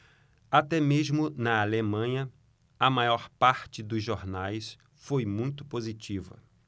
até mesmo na alemanha a maior parte dos jornais foi muito positiva